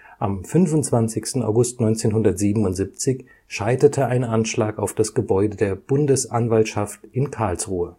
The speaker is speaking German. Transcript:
Am 25. August 1977 scheiterte ein Anschlag auf das Gebäude der Bundesanwaltschaft in Karlsruhe